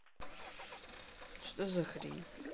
че за хрень